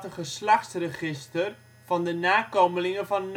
geslachtsregister van de nakomelingen van